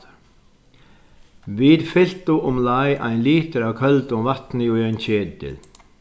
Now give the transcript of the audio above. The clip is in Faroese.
vit fyltu umleið ein litur av køldum vatni í ein ketil